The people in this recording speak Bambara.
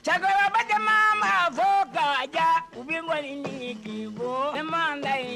Cɛkɔrɔba camaan b'a fo ka diya u be wari ni di boo ne maa nta in